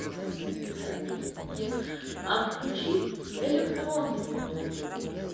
а включи электронную музыку